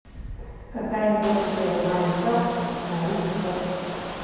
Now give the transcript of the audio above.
какая версия майнкрафт на икс бокс